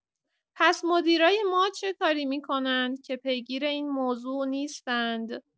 پس مدیرای ما چه کاری می‌کنند که پیگیر این موضوع نیستند؟